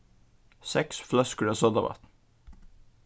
seks fløskur av sodavatn